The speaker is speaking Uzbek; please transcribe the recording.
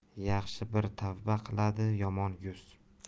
yaxshi bir tavba qiladi yomon yuz